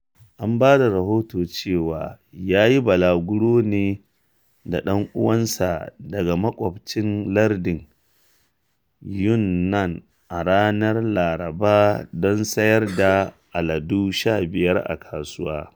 An ba da rahoton cewa ya yi bulaguro ne da ɗan uwansa daga makwaɓcin lardin Yunnan a ranar Laraba don sayar da aladu 15 a kasuwar.